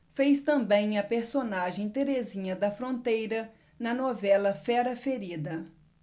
fez também a personagem terezinha da fronteira na novela fera ferida